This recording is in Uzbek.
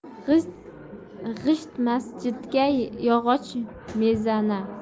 g'isht masjidga yog'och mezana